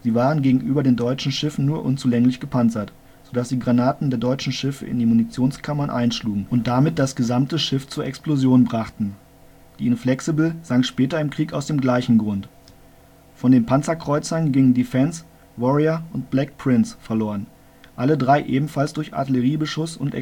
waren gegenüber den deutschen Schiffen nur unzulänglich gepanzert, sodass die Granaten der deutschen Schiffe in die Munitionskammern einschlugen und damit das gesamte Schiff zur Explosion brachten. Die Inflexible sank später im Krieg aus dem gleichen Grund. Von den Panzerkreuzern gingen Defence, Warrior und Black Prince verloren, alle drei ebenfalls durch Artilleriebeschuss und